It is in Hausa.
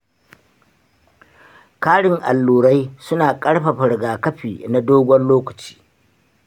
ƙarin allurai suna ƙarfafa rigakafi na dogon lokaci.